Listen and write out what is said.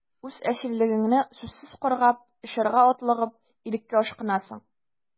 Үз әсирлегеңне сүзсез каргап, очарга атлыгып, иреккә ашкынасың...